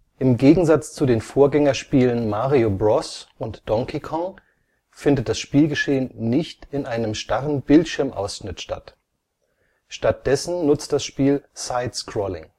Im Gegensatz zu den Vorgängerspielen Mario Bros. (Arcade, 1983) und Donkey Kong (Arcade, 1981) findet das Spielgeschehen nicht in einem starren Bildschirmausschnitt statt. Stattdessen nutzt das Spiel Side-Scrolling